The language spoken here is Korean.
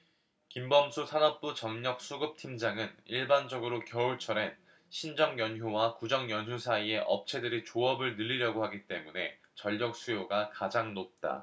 김범수 산업부 전력수급팀장은 일반적으로 겨울철엔 신정연휴와 구정연휴 사이에 업체들이 조업을 늘리려고 하기 때문에 전력수요가 가장 높다